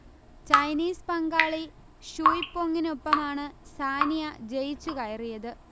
Chinese പങ്കാളി ഷുയ് പെങ്ങിനൊപ്പമാണ് സാനിയ ജയിച്ചുകയറിയത്